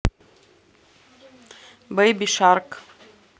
бейби шарк